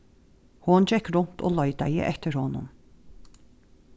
hon gekk runt og leitaði eftir honum